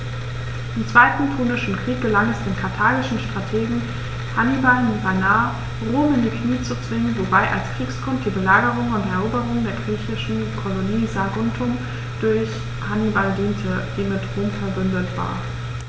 Im Zweiten Punischen Krieg gelang es dem karthagischen Strategen Hannibal beinahe, Rom in die Knie zu zwingen, wobei als Kriegsgrund die Belagerung und Eroberung der griechischen Kolonie Saguntum durch Hannibal diente, die mit Rom „verbündet“ war.